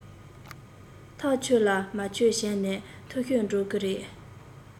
ཐག ཆོད ལ མ ཆོད བྱས ན འཐུས ཤོར འགྲོ གི རེད